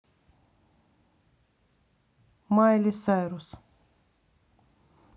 майли сайрус